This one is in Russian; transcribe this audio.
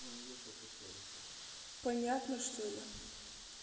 понятно что ли